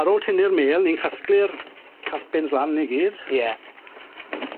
Ar ôl tynnu'r mêl ni'n casglu'r capyns lan i gyd. Ie.